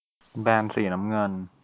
แบนสีน้ำเงิน